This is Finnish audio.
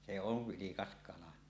se on vilkas kala